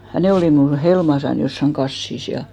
ja ne oli minulla helmassani jossakin kassissa ja